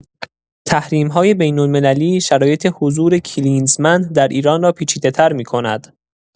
تحریم‌های بین‌المللی، شرایط حضور کلینزمن در ایران را پیچیده‌تر می‌کند.